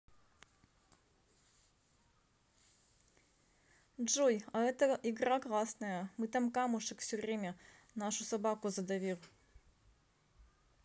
джой а это игра классная мы там камушек все время нашу собаку задавил